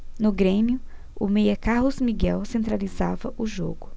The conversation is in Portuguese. no grêmio o meia carlos miguel centralizava o jogo